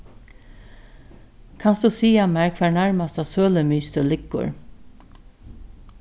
kanst tú siga mær hvar nærmasta sølumiðstøð liggur